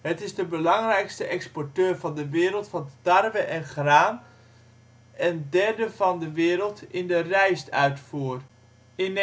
het is de belangrijke exporteur van de wereld van tarwe en graan en derde van de werd in de rijstuitvoer. In